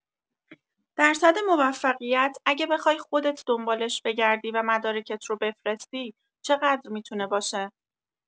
درصد موفقیت اگه بخوای خودت دنبالش بگردی و مدارکت رو بفرستی، چقدر می‌تونه باشه؟